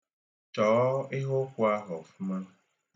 Chọọ ihe ụkwụ ahụ ọfụma.